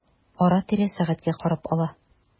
Ара-тирә сәгатькә карап ала.